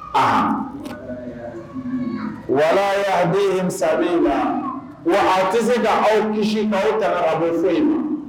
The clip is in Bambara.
A wara ne yesa ma wa a tɛ se ka a ye misi a ye kama bɛ so in ma